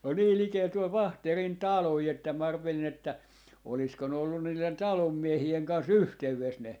on niin likellä tuolla Vaahterin taloja että minä arvelin että olisiko ne ollut niiden talon miehien kanssa yhteydessä ne